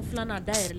U filanan'a da yɛrɛ la